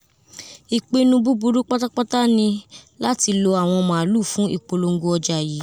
”Ipinnu buburu patapata ni lati lo awọn maalu fun ipolongo ọja yii.